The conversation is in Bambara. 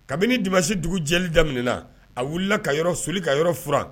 Kabini disi dugu jɛ daminɛna a wulila ka yɔrɔ soli ka yɔrɔuran